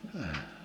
-